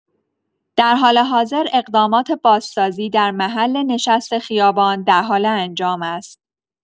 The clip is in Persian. در حال حاضر اقدامات بازسازی در محل نشست خیابان در حال انجام است.